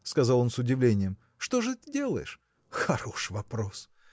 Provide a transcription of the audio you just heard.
– сказал он с удивлением, – что же ты делаешь? Хорош вопрос!